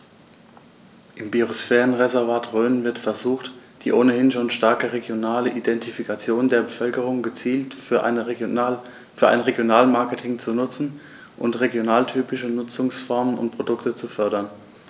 Im Biosphärenreservat Rhön wird versucht, die ohnehin schon starke regionale Identifikation der Bevölkerung gezielt für ein Regionalmarketing zu nutzen und regionaltypische Nutzungsformen und Produkte zu fördern.